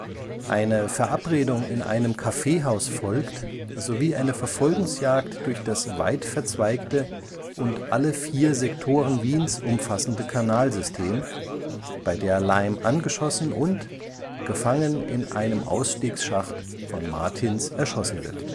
Eine Verabredung in einem Kaffeehaus folgt, sowie eine Verfolgungsjagd durch das weitverzweigte (und alle vier Sektoren Wiens umfassende) Kanalsystem, bei der Lime angeschossen und, gefangen in einem Ausstiegsschacht, von Martins erschossen wird